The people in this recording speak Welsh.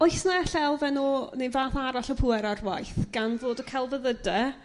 Oes 'na e'lle elfen o... Neu fath arall o pŵer ar waith gan fod y celfyddyde...